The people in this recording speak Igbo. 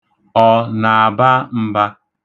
Ọ na-aba mba?